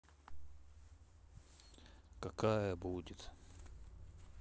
какая будет